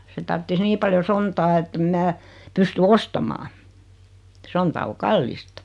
se tarvitsisi niin paljon sontaa että en minä pysty ostamaan sonta on kallista